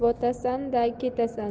botasan da ketasan